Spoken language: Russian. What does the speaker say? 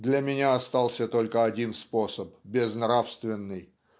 для меня остался только один способ безнравственный